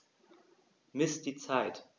Miss die Zeit.